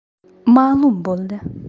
ma'lum bo'ldi